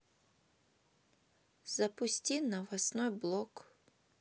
запусти новостной блок